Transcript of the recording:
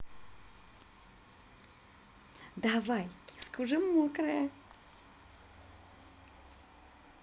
давай киска уже мокрая